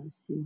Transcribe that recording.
ooy dhashay